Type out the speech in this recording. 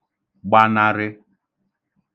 gbanarị